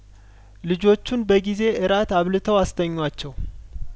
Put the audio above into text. ልጆቹን በጊዜ እራት አብልተው አስተኟቸው